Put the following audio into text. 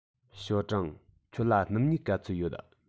ཞའོ ཀྲང ཁྱོད ལ སྣུམ སྨྱུག ག ཚོད ཡོད